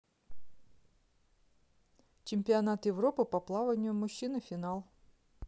чемпионат европы по плаванию мужчины финал